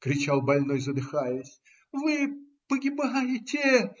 - кричал больной, задыхаясь. - Вы погибаете!